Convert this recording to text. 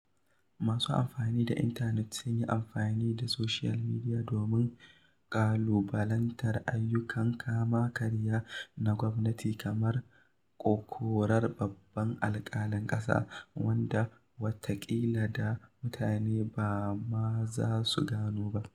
Masu amfani da intanet sun yi amfani da soshiyal midiya domin ƙalubalantar ayyukan kama-karya na gwamnati kamar korar babban alƙalin ƙasa, wanda wataƙila da mutane ba ma za su gano ba.